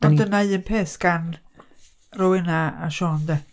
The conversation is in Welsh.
Wel dyna un peth gan Rowena a Siôn, de.